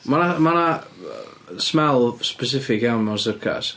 Mae 'na... mae 'na smell specific iawn mewn syrcas.